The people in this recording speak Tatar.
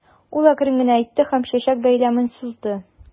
Ул әкрен генә әйтте һәм чәчәк бәйләмен сузды.